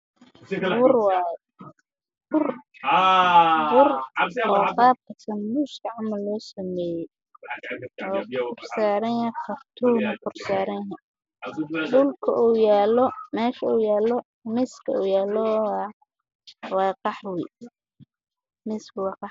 Waa bur qaabka sanbuus camal loo sameeyay